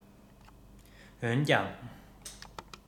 འོན ཀྱང